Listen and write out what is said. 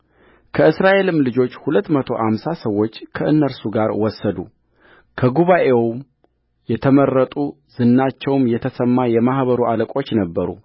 ከእስራኤልም ልጆች ሁለት መቶ አምሳ ሰዎች ከእነርሱ ጋር ወሰዱ ከጉባኤው የተመረጡ ዝናቸውም የተሰማ የማኅበሩ አለቆች ነበሩ